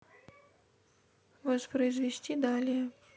воспроизведи далее